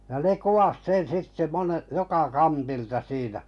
ja ne kuvasi sen sitten - joka kantilta siinä